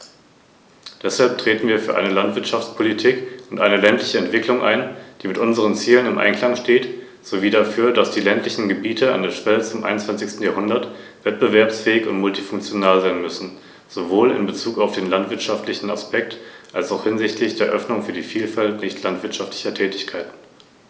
Zu meiner Freude besteht auch mit dem Rat Übereinstimmung über Mindestanforderungen für deren Prüfung, obgleich ich mit dem Ziel international gleichwertiger Befähigungsnachweise einheitliche verbindliche Normen und Regelungen bevorzugt hätte.